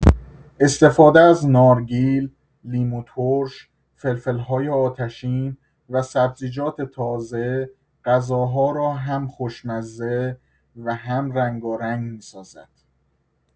استفاده از نارگیل، لیموترش، فلفل‌های آتشین و سبزیجات تازه، غذاها را هم خوشمزه و هم رنگارنگ می‌سازد.